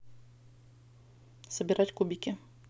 собирать кубики